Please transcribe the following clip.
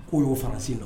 K'o y'o fana sen don